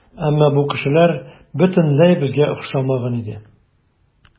Әмма бу кешеләр бөтенләй безгә охшамаган иде.